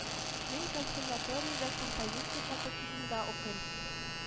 Мин косерваториядә композиция факультетында укыйм